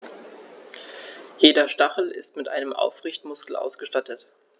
Jeder Stachel ist mit einem Aufrichtemuskel ausgestattet.